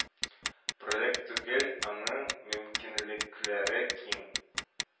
Проект түгел, аның мөмкинлекләре киң